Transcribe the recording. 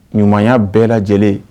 Ɲumanya bɛɛ lajɛlen